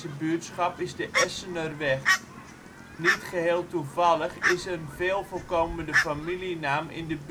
buurtschap is de Essenerweg. Niet geheel toevallig is een veel voorkomende familienaam in de